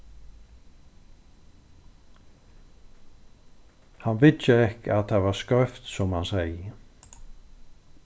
hann viðgekk at tað var skeivt sum hann segði